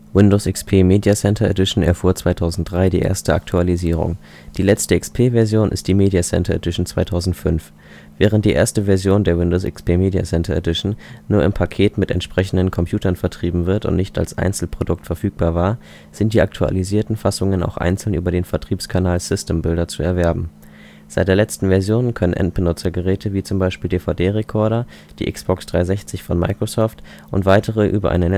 Windows XP Media Center Edition erfuhr 2003 die erste Aktualisierung, die letzte XP-Version ist die Media Center Edition 2005. Während die erste Version der Windows XP Media Center Edition nur im Paket mit entsprechenden Computern vertrieben und nicht als Einzelprodukt verfügbar war, sind die aktualisierten Fassungen auch einzeln über den Vertriebskanal System Builder zu erwerben. Seit der letzten Version können Endbenutzergeräte wie z. B. DVD-Recorder, die Xbox 360 von Microsoft und weitere über eine